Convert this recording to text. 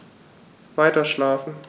Weiterschlafen.